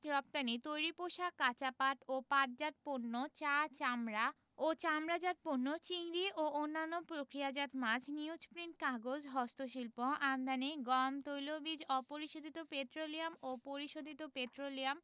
রপ্তানিঃ তৈরি পোশাক কাঁচা পাট ও পাটজাত পণ্য চা চামড়া ও চামড়াজাত পণ্য চিংড়ি ও অন্যান্য প্রক্রিয়াজাত মাছ নিউজপ্রিন্ট কাগজ হস্তশিল্প আমদানিঃ গম তৈলবীজ অপরিশোধিত পেট্রোলিয়াম ও পরিশোধিত পেট্রোলিয়াম